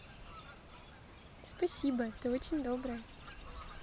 спасибо ты очень добрая